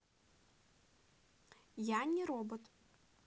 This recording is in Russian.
я не робот